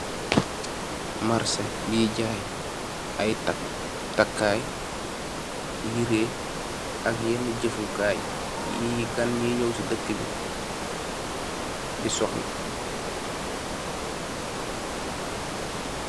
Marech yui jay ay takay yereh ak yenen jefu kai yi gang yi nyow si dekabi di soxla.